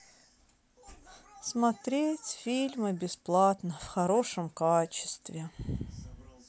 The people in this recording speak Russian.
смотреть фильмы бесплатно в хорошем качестве